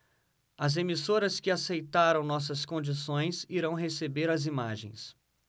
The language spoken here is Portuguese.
as emissoras que aceitaram nossas condições irão receber as imagens